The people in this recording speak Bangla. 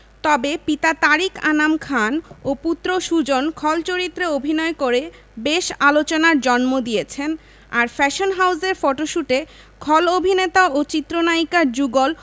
তবে পিতা তারিক আনাম খান ও পুত্র সুজন খল চরিত্রে অভিনয় করে বেশ আলোচনার জন্ম দিয়েছেন আর ফ্যাশন হাউজের ফটোশুটে খল অভিনেতা ও চিত্রনায়িকার যুগল